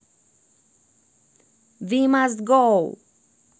we must go